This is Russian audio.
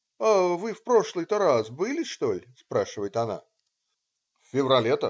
"А вы в прошлый-то раз были, что ль?" спрашивает она. "В феврале-то?